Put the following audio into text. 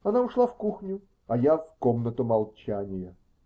Она ушла в кухню, а я -- в "комнату молчания".